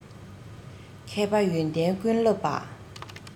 མཁས པ ཡོན ཏན ཀུན བསླབས པ